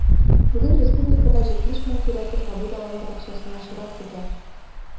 Бүген республикада 70 мең тирәсе сабый балалар бакчасына чират көтә.